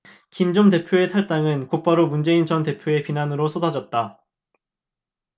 김 전 대표의 탈당은 곧바로 문재인 전 대표의 비난으로 쏟아졌다